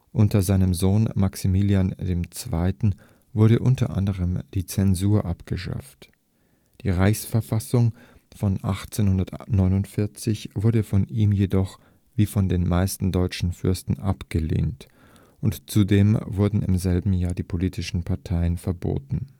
Unter seinem Sohn Maximilian II. wurde unter anderem die Zensur abgeschafft. Die Reichsverfassung von 1849 wurde von ihm jedoch wie von den meisten deutschen Fürsten abgelehnt, und zudem wurden im selben Jahr die politischen Parteien verboten